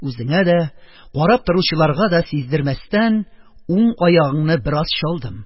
Үзеңә дә, карап торучыларга да сиздермәстән, уң аягыңны бераз чалдым